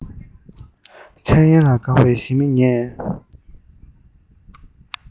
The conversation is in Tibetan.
འཆར ཡན ལ དགའ བའི ཞི མི ངས